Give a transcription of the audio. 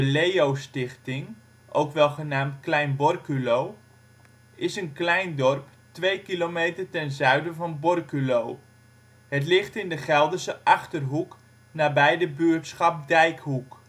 Leo-Stichting (ook wel genaamd Klein-Borculo) is een klein dorp twee kilometer ten zuiden van Borculo. Het ligt in de Gelderse Achterhoek, nabij de buurtschap Dijkhoek